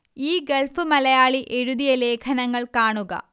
ഈ ഗൾഫ് മലയാളി എഴുതിയ ലേഖനങ്ങൾ കാണുക